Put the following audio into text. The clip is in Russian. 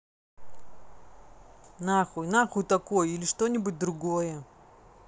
нахуй нахуй такой или что нибудь другое